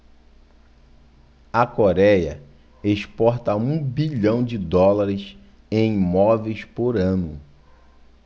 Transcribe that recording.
a coréia exporta um bilhão de dólares em móveis por ano